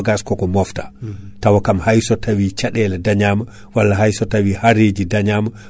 eyyi donc nogass guilnoɗo o kaadi etanoma kaadi ha hewɓe hen baɗi produit Aprostar